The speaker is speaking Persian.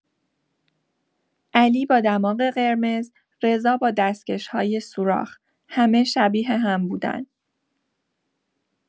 علی با دماغ قرمز، رضا با دستکش‌های سوراخ، همه شبیه هم بودن.